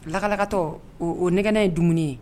Lakalalakatɔ o negɛnɛnɛ ye dumuni ye